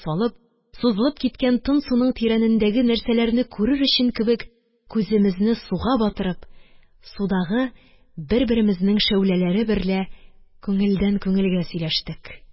Салып, сузылып киткән тын суның тирәнендәге нәрсәләрне күрер өчен кебек, күземезне суга батырып, судагы бер-беремезнең шәүләләре берлә күңелдән күңелгә сөйләштек.